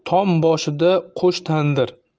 tom boshida qo'sh tandir